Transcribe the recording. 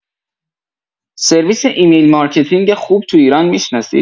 سرویس ایمیل مارکتینگ خوب تو ایران می‌شناسید؟!